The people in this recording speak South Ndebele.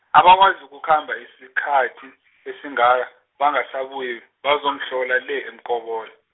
abakwazi ukukhamba isikhathi, esingaka, bangasabuyi, bazomhlola le eMkobola.